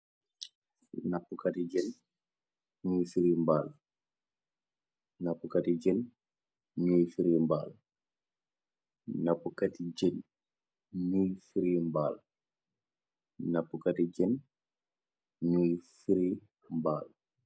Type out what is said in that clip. Nappu kati jeen nyoi free mbaal, nappu kati jeen nyoi free mbaal, nappu kati jeen nyoi free mbaal , nappu kati jeen nyoi free mbaal.